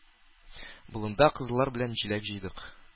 Болында кызлар белән җиләк җыйдык.